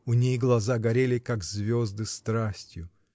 У ней глаза горели, как звезды, страстью.